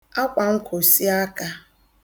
akwànkwòsịakā